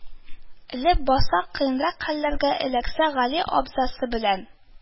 Леп баса, кыенрак хәлләргә эләксә, гали абзасы белән